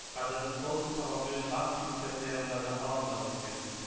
Кадәр тосно сабантуе шапки бистәсе янындагы аланда үткән